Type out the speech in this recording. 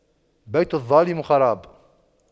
بيت الظالم خراب